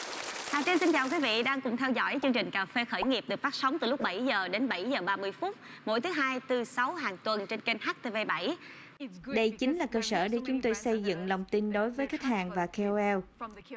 hà chi xin chào quý vị đang cùng theo dõi chương trình cà phê khởi nghiệp được phát sóng từ lúc bảy giờ đến bảy giờ ba mươi phút mỗi thứ hai tư sáu hằng tuần trên kênh hát tê vê bảy đây chính là cơ sở để chúng tôi xây dựng lòng tin đối với khách hàng và keo eo